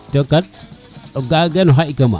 to kat o ga gen xaƴ kama